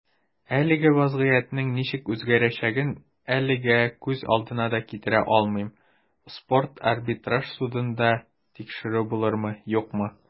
Әлеге вәзгыятьнең ничек үзгәрәчәген әлегә күз алдына да китерә алмыйм - спорт арбитраж судында тикшерү булырмы, юкмы.